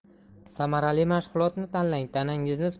samarali mashg'ulotni tanlang tanangizni